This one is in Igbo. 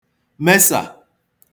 mesà